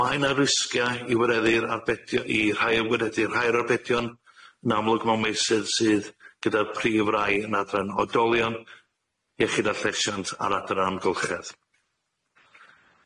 Mae 'na risgia' i wireddu'r arbedio- i rhai o'n gwireddu rhai o'r arbedion, yn amlwg mewn meysydd sydd gyda'r prif rai yn adran odolion, iechyd a llesiant ar adran amgylchedd.